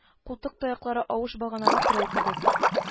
– култык таяклары авыш баганага терәү кебек